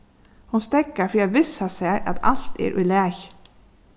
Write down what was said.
hon steðgar fyri at vissa sær at alt er í lagi